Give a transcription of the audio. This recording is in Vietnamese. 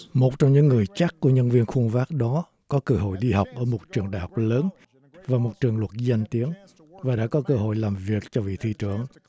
một trong những người chắt của nhân viên khuân vác đó có cơ hội đi học ở một trường đại học lớn và một trường luật danh tiếng và đã có cơ hội làm việc cho vị thị trưởng